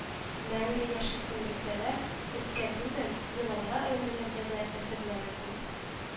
Мәңге яшисең, дисәләр, эткә түгел, еланга әверелергә дә әзерләре күп